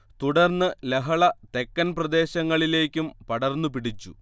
തുടർന്ന് ലഹള തെക്കൻ പ്രദേശങ്ങളിലേക്കും പടർന്നു പിടിച്ചു